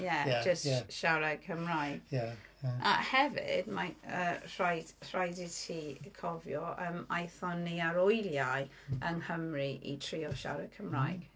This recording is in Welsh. Ie jyst siarad Cymraeg... Ie... A hefyd mae... yy rhaid... rhaid i ti cofio yym, aethon ni ar wyliau yng Nghymru i trio siarad Cymraeg.